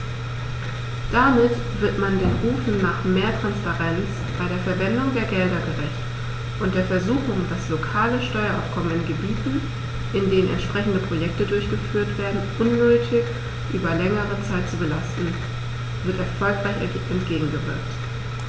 Damit wird man den Rufen nach mehr Transparenz bei der Verwendung der Gelder gerecht, und der Versuchung, das lokale Steueraufkommen in Gebieten, in denen entsprechende Projekte durchgeführt werden, unnötig über längere Zeit zu belasten, wird erfolgreich entgegengewirkt.